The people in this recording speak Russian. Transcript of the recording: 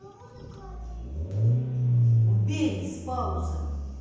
убей из паузы